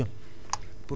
ak lan moo ci gën